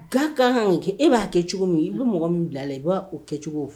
Ka ka ka kɛ e b'a kɛ cogo min i bɛ mɔgɔ min bila la i b'a oo kɛ cogo fɛ